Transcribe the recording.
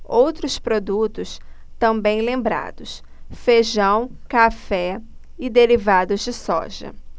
outros produtos também lembrados feijão café e derivados de soja